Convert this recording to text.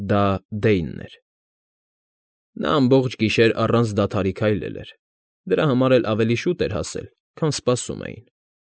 Դա Դեյնն էր։ Նա ամբողջ գիշեր առանց դադարի քայլել էր, դրա համար էլ ավելի շուտ հասել, քան սպասում էին։